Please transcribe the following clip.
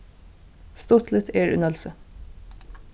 stuttligt er í nólsoy